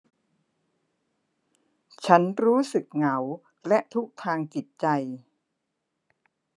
ฉันรู้สึกเหงาและทุกข์ทางจิตใจ